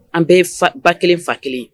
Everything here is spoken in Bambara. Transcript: An bɛ ba kelen fa kelen